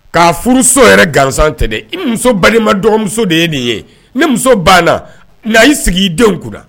'a furu so yɛrɛ gansan tɛ dɛ i muso balima dɔgɔmuso de ye nin ye ne muso banna a sigi denwkura